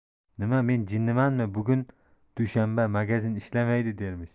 nima men jinnimanmi bugun dushanba magazin ishlamaydi dermish